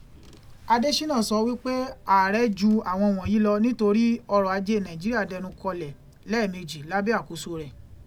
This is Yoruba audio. Adéṣínà sọ wí pé ààrẹ ju àwọn wọ̀nyí lọ nítorí ọrọ̀ ajé Nàìjíríà dẹnù kọlẹ̀ lẹ́ẹ̀mejì lábẹ́ àkóso rẹ̀.